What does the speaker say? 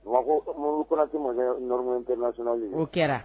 Ko mori kɔnɔ tɛ ma nɔrɔ bɛɛ o kɛra